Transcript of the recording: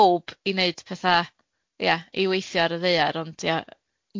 powb i neud petha ia i weithio ar y ddaear, ond ia